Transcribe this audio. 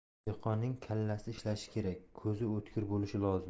dehqonning kallasi ishlashi kerak ko'zi o'tkir bo'lishi lozim